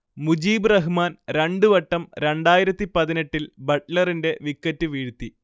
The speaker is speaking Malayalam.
മുജീബ് റഹ്മാൻ രണ്ട് വട്ടം രണ്ടായിരത്തിപ്പതിനെട്ടിൽ ബട്ട്ലറിന്റെ വിക്കറ്റ് വീഴ്ത്തി